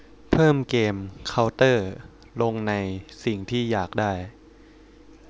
เพิ่มเกมเค้าเตอร์ลงในสิ่งที่อยากได้